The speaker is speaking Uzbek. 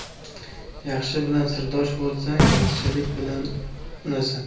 yaxshi bilan sirdosh bo'lsang yaxshilik bilan unasan